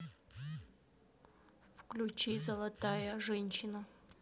включи золотая женщина